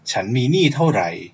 ฉันมีหนี้เท่าไหร่